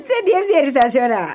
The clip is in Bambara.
Sidi e bɛ se recitation la.